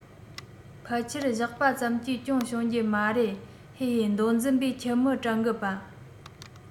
ཕལ ཆེལ བཞག པ ཙམ གྱིས སྐྱོན བྱུང རྒྱུ མ རེད ཧེ ཧེ མདོ འཛིན པས ཁྱིམ མི དྲན གི པ